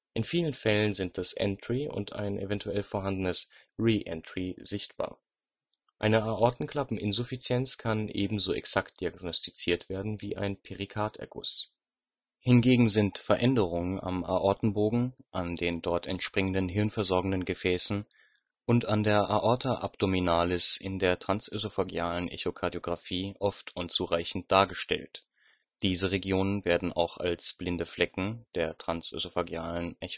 In vielen Fällen sind das entry und ein evtl. vorhandenes re-entry sichtbar. Eine Aortenklappeninsuffizienz kann ebenso exakt diagnostiziert werden wie ein Perikarderguss. Hingegen sind Veränderungen am Aortenbogen, an den dort entspringenden hirnversorgenden Gefäßen und an der Aorta abdominalis in der TEE oft unzureichend dargestellt, diese Regionen werden auch als „ blinde Flecken “der TEE